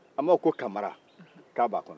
an b'a fɔ ko kamara ka b'a kɔnɔ